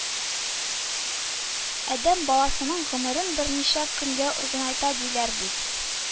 Адәм баласының гомерен берничә көнгә озынайта, диләр бит»